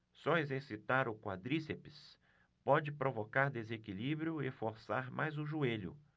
só exercitar o quadríceps pode provocar desequilíbrio e forçar mais o joelho